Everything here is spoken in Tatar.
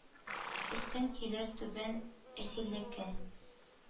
Өстен килер түбән әсирлеккә